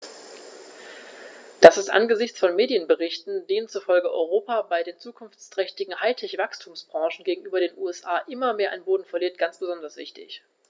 Das ist angesichts von Medienberichten, denen zufolge Europa bei den zukunftsträchtigen High-Tech-Wachstumsbranchen gegenüber den USA immer mehr an Boden verliert, ganz besonders wichtig.